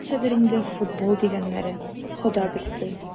Нәрсәдер инде "футбол" дигәннәре, Хода белсен...